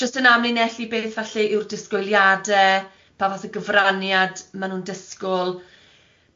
Jyst yn amlinellu beth falle yw'r disgwyliade, pa fath o gyfraniad ma' nhw'n disgwl.